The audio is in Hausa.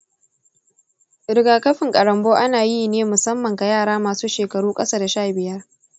rigakafin ƙaranbo ana yi ne musamman ga yara masu shekaru ƙasa da sha biyar.